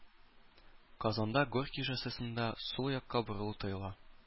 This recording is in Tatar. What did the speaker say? Казанда Горький шоссесында сул якка борылу тыела.